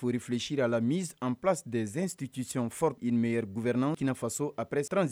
Si lapsi deccme gprnafa aprep